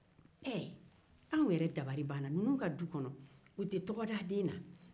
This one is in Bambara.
anw yɛrɛ dabali banna ninnu tɛ tɔgɔ da den na